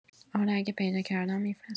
اره اگه پیدا کردم می‌فرستم